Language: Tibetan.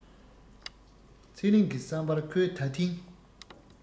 ཚེ རིང གི བསམ པར ཁོས ད ཐེངས